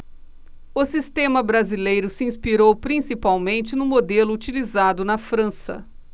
o sistema brasileiro se inspirou principalmente no modelo utilizado na frança